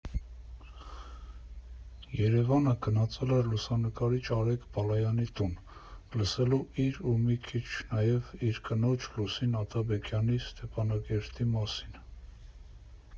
ԵՐԵՎԱՆը գնացել էր լուսանկարիչ Արեգ Բալայանի տուն՝ լսելու իր ու մի քիչ նաև՝ իր կնոջ՝ Լուսին Աթաբեկյանի Ստեփանակերտի մասին։